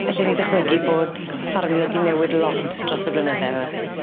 Allwn i ddychmygu bod ffarmio 'di newid lot dros y blynydde 'my?